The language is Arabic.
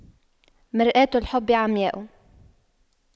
مرآة الحب عمياء